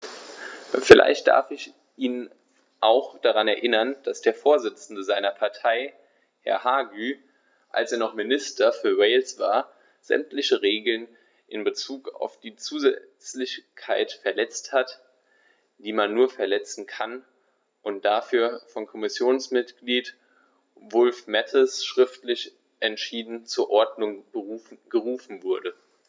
Vielleicht darf ich ihn auch daran erinnern, dass der Vorsitzende seiner Partei, Herr Hague, als er noch Minister für Wales war, sämtliche Regeln in Bezug auf die Zusätzlichkeit verletzt hat, die man nur verletzen kann, und dafür von Kommissionsmitglied Wulf-Mathies schriftlich entschieden zur Ordnung gerufen wurde.